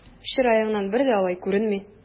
Чыраеңнан бер дә алай күренми!